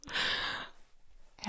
Ja.